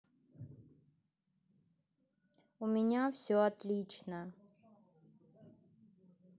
у меня все отлично